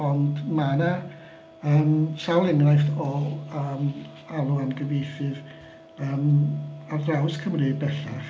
Ond mae 'na yym sawl enghraifft o yym alw am gyfieithydd yym ar draws Cymru bellach.